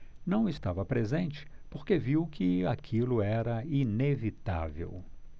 não estava presente porque viu que aquilo era inevitável